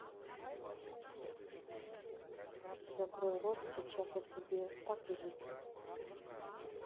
закрой рот сейчас я тебе так изучу